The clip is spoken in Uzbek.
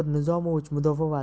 nizomovich mudofaa vaziri